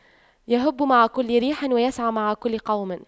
يَهُبُّ مع كل ريح ويسعى مع كل قوم